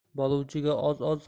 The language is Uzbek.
bo'luvchiga oz oz